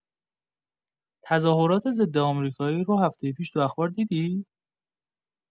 تظاهرات ضدآمریکایی رو هفته پیش تو اخبار دیدی؟